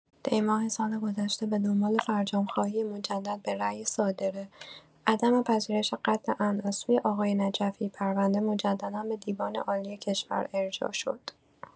دی‌ماه سال‌گذشته، به دنبال فرجام‌خواهی مجدد به رای صادره، عدم پذیرش قتل عمد از سوی آقای نجفی، پرونده مجددا به دیوان عالی کشور ارجاع شد.